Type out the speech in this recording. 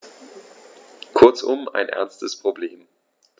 Kurzum, ein ernstes Problem.